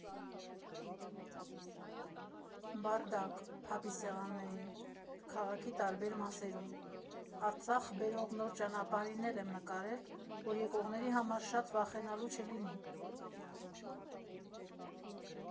«Բարդակ» փաբի սեղաններին, քաղաքի տարբեր մասերում, Արցախ բերող նոր ճանապարհին էլ եմ նկարել, որ եկողների համար շատ վախենալու չլինի։